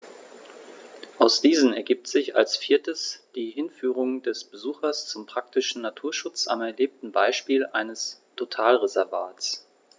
Aus diesen ergibt sich als viertes die Hinführung des Besuchers zum praktischen Naturschutz am erlebten Beispiel eines Totalreservats.